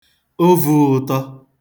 ovuụ̄tọ̄